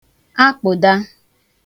akpụ̀da